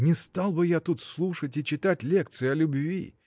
Не стал бы я тут слушать и читать лекции о любви!